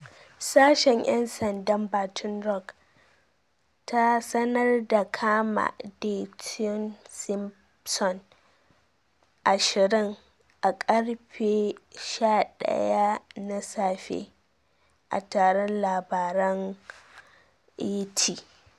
Sashen 'yan sandan Baton Rouge ta sanar da kama Dyteon Simpson, 20, a karfe 11 na safe. a taron labaran ET.